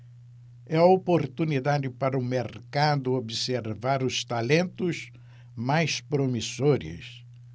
é a oportunidade para o mercado observar os talentos mais promissores